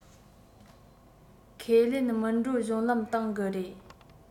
ཁས ལེན མི བགྲོད གཞུང ལམ སྟེང གི རེད